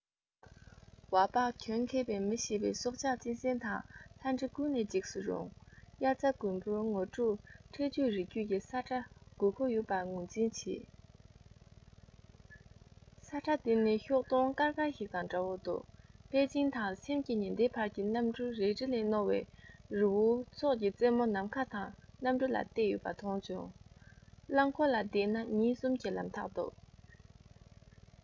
ཝ པགས གྱོན མཁས པའི མི ཞེས པའི སྲོགས ཆགས གཅན གཟན དང ལྷ འདྲེ ཀུན ལས འཇིགས སུ རུང དབྱར རྩྭ དགུན འབུ ངོ སྤྲོད འཕྲེད གཅོད རི རྒྱུད ཀྱི ས ཁྲ དགོས མཁོ ཡོད པ ངོས འཛིན བྱས ས ཁྲ འདི ནི ཤོག སྟོང དཀར དཀར ཞིག དང འདྲ བོ འདུག པེ ཅིན དང སེམས ཀྱི ཉི ཟླའི བར གྱི གནམ གྲུ རལ གྲི ལས རྣོ བའི རི བོའི ཚོགས ཀྱི རྩེ མོ ནམ མཁའ དང གནམ གྲུ ལ གཏད ཡོད པ མཐོང བྱུང རླངས འཁོར ལ བསྡད ན ཉིན གསུམ གྱི ལམ ཐག འདུག